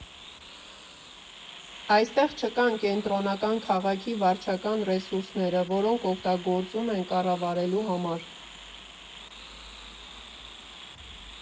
Այստեղ չկան կենտրոնական քաղաքի վարչական ռեսուրները, որոնք օգտագործում են կառավարելու համար։